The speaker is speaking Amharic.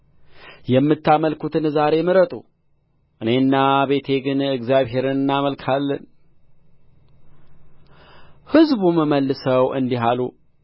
የምታመልኩትን ዛሬ ምረጡ እኔና ቤቴ ግን እግዚአብሔርን እናመልካለን ሕዝቡም መልሰው እንዲህ አሉ